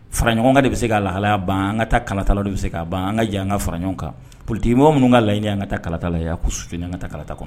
Faraɲɔgɔnkan de bɛ se k'a lahalaha ban, an ka taa kalata la o de bɛ se k'a ban, an ka jɛn an ka fara ɲɔgɔn kan, politique mɔgɔ minnu ka laɲini ye an ka taa kalata la An ka ta kalata kɔnɔ